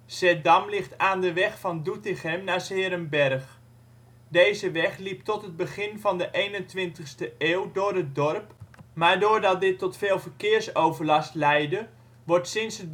Zeddam ligt aan de weg van Doetinchem naar ' s-Heerenberg. Deze weg liep tot het begin van de 21e eeuw door het dorp, maar doordat dit tot veel verkeersovelast leidde wordt sinds